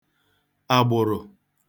àgbụ̀rụ̀